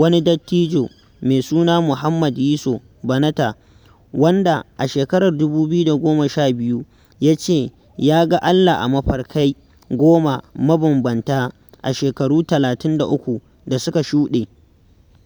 wani dattijo mai suna Muhammad Yiso Banatah, wanda a shekarar 2012 ya ce ya ga Allah a mafarkai goma mabambanta a shekaru 33 da suka shuɗe.